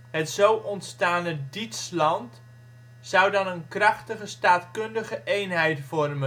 Het zo ontstane ' Dietschland ' zou dan een krachtige staatkundige eenheid vormen. De